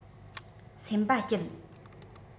སེམས པ སྐྱིད